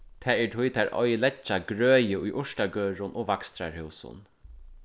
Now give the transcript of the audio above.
tað er tí tær oyðileggja grøði í urtagørðum og vakstrarhúsum